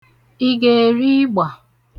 Ị ga-eri ịgba?